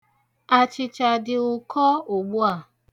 Achịcha dị ụkọ ugbu a.